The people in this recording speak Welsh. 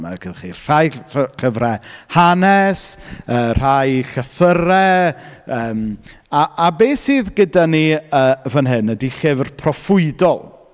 Ma' gennych chi rhai rhy- llyfrau hanes, yy rhai llythyrau yym a- a beth sydd gyda ni yy fan hyn ydy llyfr proffwydol.